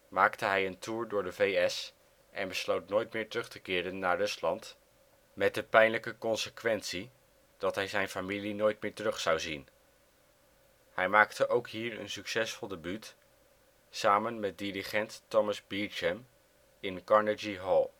maakte hij een tour door de VS en besloot nooit meer terug te keren naar Rusland, met de pijnlijke consequentie dat hij zijn familie nooit meer zou terug zien. Hij maakte ook hier een succesvol debuut, samen met dirigent Thomas Beecham in Carnegie Hall